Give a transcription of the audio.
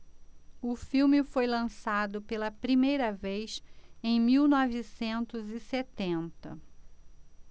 o filme foi lançado pela primeira vez em mil novecentos e setenta